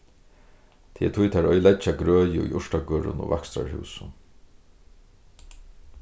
tað er tí tær oyðileggja grøði í urtagørðum og vakstrarhúsum